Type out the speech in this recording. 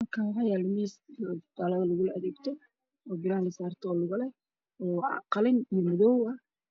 Halkan waxaa yaalla miis oo lagu adeegto la saarto diraa giisana waa qalin iyo madow